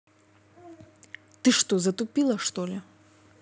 ты что затупила что ли